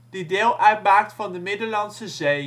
die deel uitmaakt van de Middellandse Zee